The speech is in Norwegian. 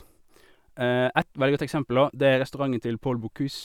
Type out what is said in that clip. Ett veldig godt eksempel, da, det er restauranten til Paul Bocuse.